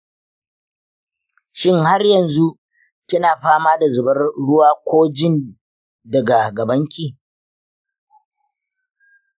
shin harynazu kina fama da zubar ruwa ko jin daga gabanki?